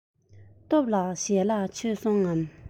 སྟོབས ལགས ཞལ ལག མཆོད སོང ངས